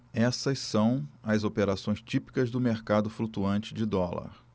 essas são as operações típicas do mercado flutuante de dólar